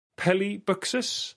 Pelibuxus